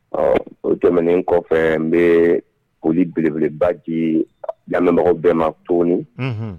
Ɔɔ, o tɛmɛnen kɔfɛ, n bɛ foli belebeleba k'i ye, lamɛnbagaw bɛɛ ma tuguni